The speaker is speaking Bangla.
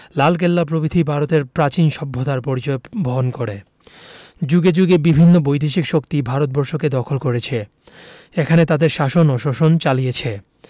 লালকেল্লা প্রভৃতি ভারতের প্রাচীন সভ্যতার পরিচয় বহন করে যুগে যুগে বিভিন্ন বৈদেশিক শক্তি ভারতবর্ষকে দখল করেছে এখানে তাদের শাসন ও শোষণ চালিয়েছে